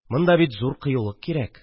Монда бит зур кыюлык кирәк